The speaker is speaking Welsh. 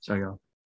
Joio.